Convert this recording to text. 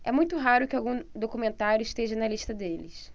é muito raro que algum documentário esteja na lista deles